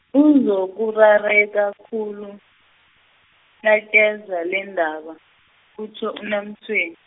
uzokurareka khulu, nakezwa lendaba, kutjho UNaMtshweni.